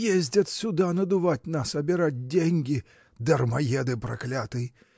ездят сюда надувать нас, обирать деньги. Дармоеды проклятые!